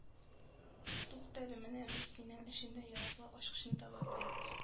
Туктале, менә без синең өчен дә яраклы ачкычны таба белербез